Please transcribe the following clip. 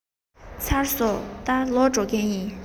ཚར སོང ད ལོག འགྲོ མཁན ཡིན